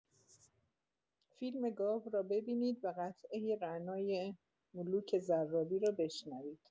فیلم گاو را ببینید و قطعه رعنای ملوک ضرابی را بشنوید.